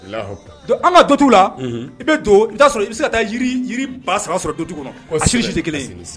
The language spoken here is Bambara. Don an ka dontu la i bɛ don'a sɔrɔ i bɛ se ka taa ba saba sɔrɔtu kɔnɔ seli tɛ kelen